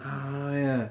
A ia!